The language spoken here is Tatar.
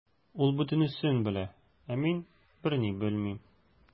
Ул бөтенесен белә, ә мин берни белмим.